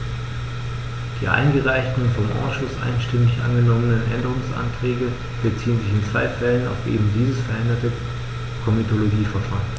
Die eingereichten und vom Ausschuss einstimmig angenommenen Änderungsanträge beziehen sich in zwei Fällen auf eben dieses veränderte Komitologieverfahren.